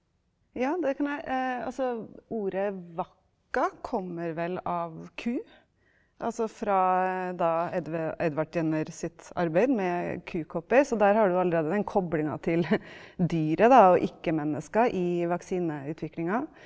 ja det kan jeg altså ordet vaka kommer vel av ku, altså fra da Edward Jenner sitt arbeid med kukopper, så der har du allerede den koblinga til dyret da og ikke-mennesker i vaksineutviklinga.